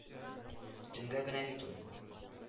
Төнгә генә бит ул